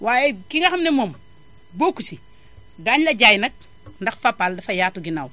waaye ki nga xam ne moom bokku si daañu la jaay nag ndax Fapal dafa yaatu ginnaaw